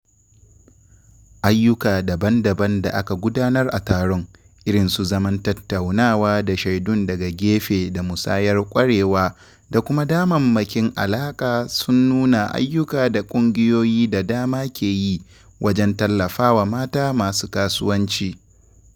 Ayyuka daban-daban da aka gudanar a taron, irin su zaman tattaunawa da shaidun daga gefe da musayar ƙwarewa da kuma damammakin alaƙa sun nuna ayyukan da ƙungiyoyi da dama ke yi wajen tallafawa mata masu kasuwanci.